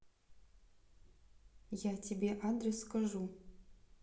я тебе адрес скажу